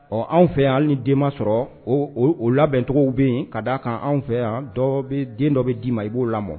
Ɔ anw fɛ yan hali ni den ma sɔrɔ o labɛn bɛnt bɛ yen ka d'a kan anw fɛ yan dɔ bɛ den dɔ bɛ d'i ma i b'o la